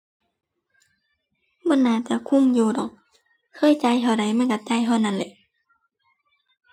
บ่น่าจะคุมอยู่ดอก เคยจ่ายเท่าใด มันก็จ่ายเท่านั้นแหละ